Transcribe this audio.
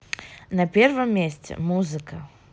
на первом месте музыка